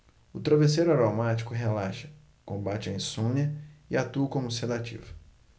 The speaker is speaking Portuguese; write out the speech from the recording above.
o travesseiro aromático relaxa combate a insônia e atua como sedativo